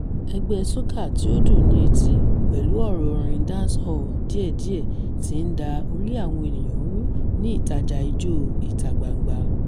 Ègbé soca tí ó dùn ní etí, pẹ̀lú ọ̀rọ̀ orin dancehall díẹ̀díẹ̀, ti ń da orí àwọn ènìyàn rú ní ìtaja Ijó ìta-gbangba.